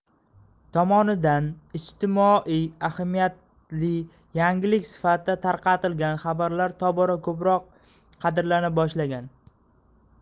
tomonidan ijtimoiy ahamiyatli yangilik sifatida tarqatilgan xabarlar tobora ko'proq qadrlana boshlagan